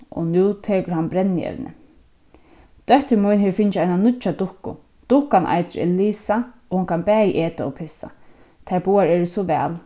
og nú tekur hann brennievni dóttir mín hevur fingið eina nýggja dukku dukkan eitur elisa og hon kann bæði eta og pissa tær báðar eru so væl